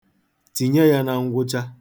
Tinye ya na ngwụcha.